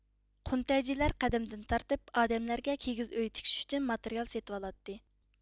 قۇنتەيجىلەر قەدىمدىن تارتىپ ئادەملەرگە كىگىز ئۆي تىكىش ئۈچۈن ماتېرىيال سېتىۋالاتتى